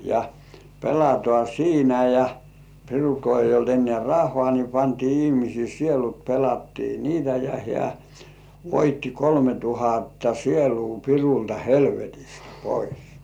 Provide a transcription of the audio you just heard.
ja pelataan siinä ja pirulla kun ei ollut enää rahaa niin pantiin ihmisten sielut pelattiin niitä ja hän voitti kolme tuhatta sielua pirulta helvetistä pois